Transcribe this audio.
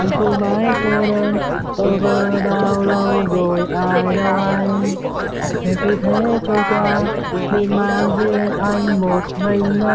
anh cứ mãi cô đơn bơ vơ bao lâu rồi ai đâu hay ngày cứ thế trôi qua miên man riêng anh một mình nơi